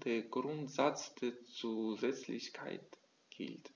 der Grundsatz der Zusätzlichkeit gilt.